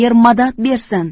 yer madad bersin